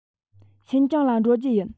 ཤིན ཅང ལ འགྲོ རྒྱུ ཡིན